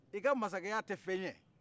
i ka masakɛya tɛ fɛn ɲɛ